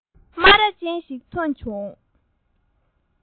ཁོ གཉིས ནི ཡུན རིང མ འཕྲད པའི